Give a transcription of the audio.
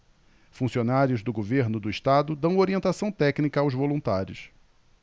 funcionários do governo do estado dão orientação técnica aos voluntários